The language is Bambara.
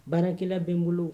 Baarakɛla bɛ n bolo